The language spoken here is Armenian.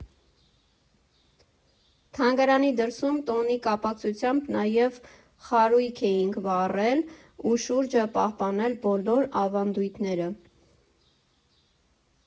Թանգարանի դրսում տոնի կապակցությամբ նաև խարույկ էինք վառել ու շուրջը պահպանել բոլոր ավանդույթները։